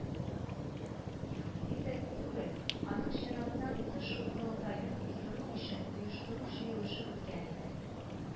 Күптән түгел аның чираттан тыш корылтаен уздыру өчен оештыру җыелышы үткән иде